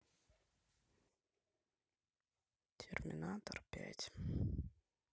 терминатор пять